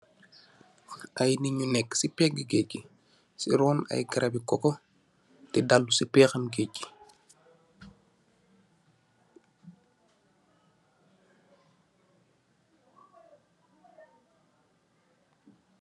Ay nit yu nekka ci pegga gaaj ngi, si ron ay garabi koko, di dallu ci pèèxam gaaj ngi.